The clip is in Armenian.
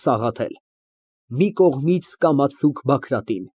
ՍԱՂԱԹԵԼ ֊ (Մի կողմից կամացուկ Բագրատին)